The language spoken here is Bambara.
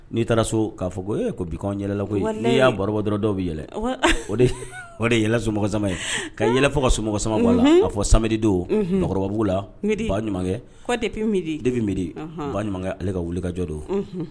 N'i taara so, ka fɔ ko ko: ee, ko bi an yɛlɛla koyi. Walayi! N'i y'a baro bɔ dɔrɔn dɔw bɛ yɛlɛ. Awɔ! . O de o de ye yɛlɛ somɔgɔsama. Ka yɛlɛ fo ka somɔgɔsama bɔ a la. Unhun! Ka fɔ samedi don, unhun! Bakɔrɔbabugu la, midi baɲumankɛ,. Ko depuis midi . depuis midi . Ɔnhɔn! Baɲumankɛ, ale ka wilikajɔ do. Unhun!